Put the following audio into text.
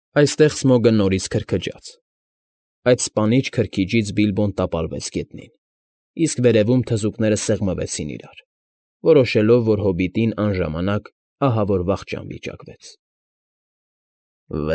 Այստեղ Սմոգը նորից քրքջաց… Այդ սպանիչ քրքիջից Բիլբոն տապալվեց գետնին, իսկ վերևում թզուկները սեղմվեցին իրար, որոշելով, որ հոբիտին անժամանակ ահավոր վախճան վիճակվեց։ ֊